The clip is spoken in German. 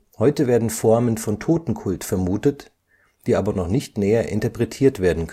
Heute werden Formen von Totenkult vermutet, die aber noch nicht näher interpretiert werden